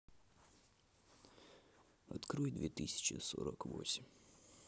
открой две тысячи сорок восемь